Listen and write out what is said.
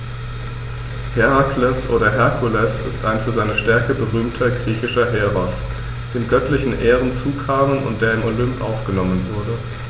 Herakles oder Herkules ist ein für seine Stärke berühmter griechischer Heros, dem göttliche Ehren zukamen und der in den Olymp aufgenommen wurde.